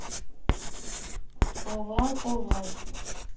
овал овал